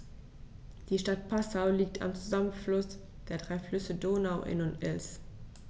Die Stadt Passau liegt am Zusammenfluss der drei Flüsse Donau, Inn und Ilz.